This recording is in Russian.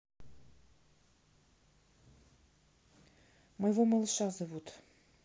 моего малыша зовут